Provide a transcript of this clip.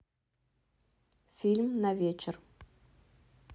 фильм на вечер